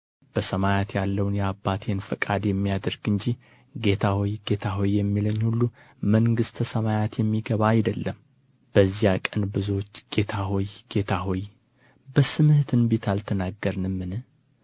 በሰማያት ያለውን የአባቴን ፈቃድ የሚያደርግ እንጂ ጌታ ሆይ ጌታ ሆይ የሚለኝ ሁሉ መንግሥተ ሰማያት የሚገባ አይደለም በዚያ ቀን ብዙዎች ጌታ ሆይ ጌታ ሆይ በስምህ ትንቢት አልተናገርንምን